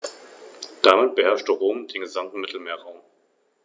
Im Gegensatz dazu haben Rattenigel keine Stacheln und erwecken darum einen eher Spitzmaus-ähnlichen Eindruck.